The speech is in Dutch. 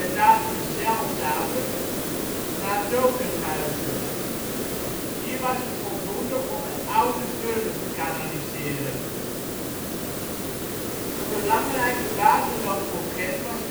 latere Zelzate) naar Rodenhuize. Hier was het voldoende om de oude Durme te kanaliseren. Een belangrijke waterloop voor Gent was